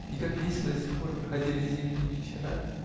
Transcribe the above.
и как весело и скоро проходили зимние вечера!.